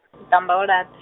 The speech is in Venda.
u ṱamba u lat-.